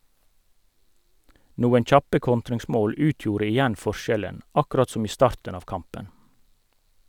Noen kjappe kontringsmål utgjorde igjen forskjellen, akkurat som i starten av kampen.